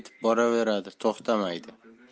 etib boraveradi to'xtamaydi